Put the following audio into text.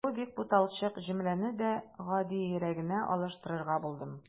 Бу бик буталчык җөмләне дә гадиерәгенә алмаштырырга булдым.